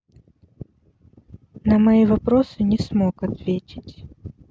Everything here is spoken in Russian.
на мои вопросы не смог ответить